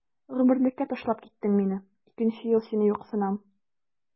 Гомерлеккә ташлап киттең мине, икенче ел сине юксынам.